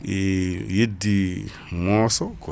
yeddi mosso quoi coolɗo ko mosɗo yeedi col